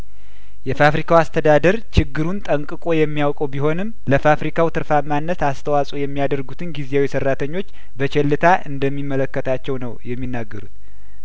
የፋፍሪካው አስተዳደር ችግሩን ጠንቅቆ የሚያውቀው ቢሆንም ለፋፍሪካው ትርፋማነት አስተዋጽኦ የሚያደርጉትን ጊዜያዊ ሰራተኞች በቸልታ እንደሚመለከታቸው ነው የሚናገሩት